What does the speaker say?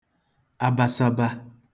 abasaba